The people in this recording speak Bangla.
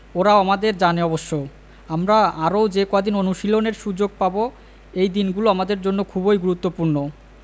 ওরাও আমাদের জানে অবশ্য আমরা আরও যে কদিন অনুশীলনের সুযোগ পাব এই দিনগুলো আমাদের জন্য খুবই গুরুত্বপূর্ণ